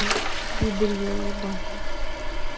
пидрила ебаная